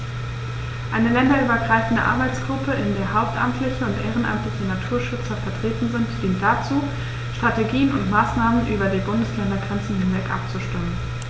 Eine länderübergreifende Arbeitsgruppe, in der hauptamtliche und ehrenamtliche Naturschützer vertreten sind, dient dazu, Strategien und Maßnahmen über die Bundesländergrenzen hinweg abzustimmen.